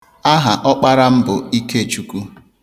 Aha ọkpara m bụ Ikechukwu.